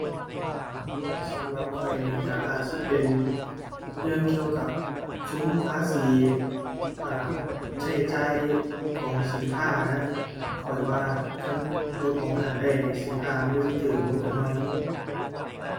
สำหรับข้อยนี่ก็อาจสิเป็นเรื่องเกี่ยวกับซุมภาษี อ่า ใช้จ่ายของสินค้านะ ข้อยว่า คันลดหม้องหั้นได้นี่ สินค้ามันก็สิก็ลงจักหน่อย